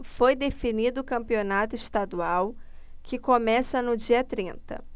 foi definido o campeonato estadual que começa no dia trinta